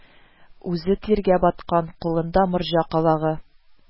Үзе тиргә баткан, кулында морҗа калагы